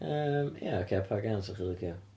yym ia, ocê pa gân 'sa chi'n licio?